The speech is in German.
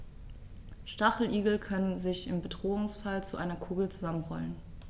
Stacheligel können sich im Bedrohungsfall zu einer Kugel zusammenrollen.